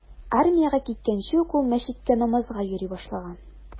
Армиягә киткәнче ук ул мәчеткә намазга йөри башлаган.